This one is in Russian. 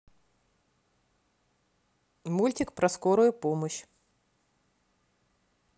мультик про скорую помощь